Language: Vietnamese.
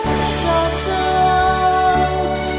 mơ